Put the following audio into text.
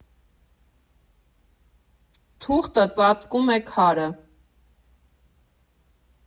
Թուղթը ծածկում է քարը։